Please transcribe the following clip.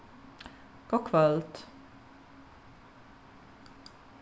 gott kvøld